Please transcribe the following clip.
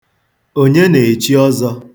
Onye na-echi ọzọ?